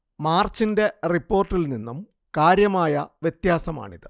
മർച്ചിന്റെ റിപ്പോർട്ടിൽ നിന്നും കാര്യമായ വ്യത്യാസമാണിത്